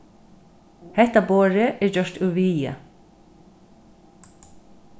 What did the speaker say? hetta borðið er gjørt úr viði